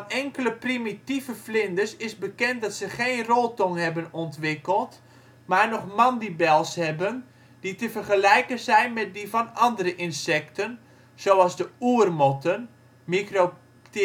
enkele ' primitieve ' vlinders is bekend dat ze geen roltong hebben ontwikkeld maar nog mandibels hebben die te vergelijken zijn met die van andere insecten, zoals de oermotten (Micropterigidae). Er